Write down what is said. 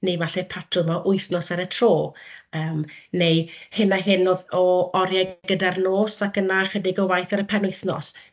neu falle patrwm o wythnos ar y tro, yym neu hyn a hyn o o oriau gyda'r nos ac yna ychydig o waith ar y penwythnos.